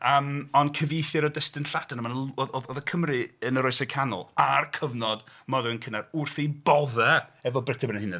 Yym ond cyfieithiad o destun Lladin a mae 'na... oedd... oedd y Cymry yn yr Oesau Canol a'r cyfnod modern cynnar wrth eu boddau efo Brut y Brenhinedd.